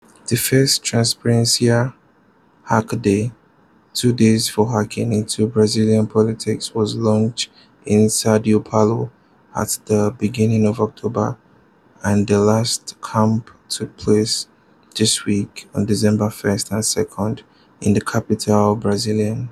The first Transparência [Transparency] Hackday, “two days for hacking into Brazilian politics”, was launched in São Paulo at the beginning of October, and the last camp took place this week, on December 1st and 2nd, in the capital Brasília [pt].